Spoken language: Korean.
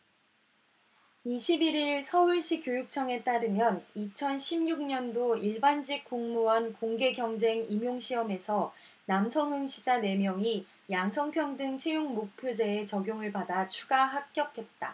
이십 일 일 서울시교육청에 따르면 이천 십 육 년도 일반직공무원 공개경쟁임용시험에서 남성 응시자 네 명이 양성평등채용목표제의 적용을 받아 추가 합격했다